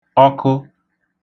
ọkụ